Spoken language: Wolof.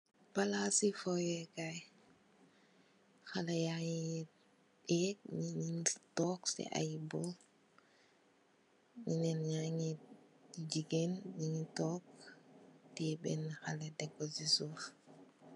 pala si fowekay , khalleh yangeh yaeg , nyingi tok, si ay boom nyenenyangeh Jigeen, nyungi tok , tae bene xale , teko si suff.